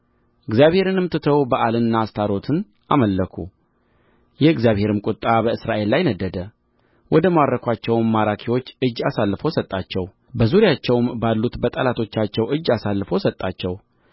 እግዚአብሔርንም ትተው በኣልንና አስታሮትን አመለኩ የእግዚአብሔርም ቍጣ በእስራኤል ላይ ነደደ ወደ ማረኩአቸውም ማራኪዎች እጅ አሳልፎ ሰጣቸው በዙሪያቸውም ባሉት በጠላቶቻቸው እጅ አሳልፎ ሰጣቸው